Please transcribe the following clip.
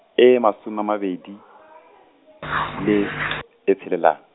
e masome a mabedi, le, e tšwelelang.